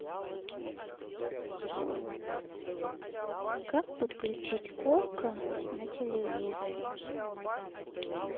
как подключить окко на телевизоре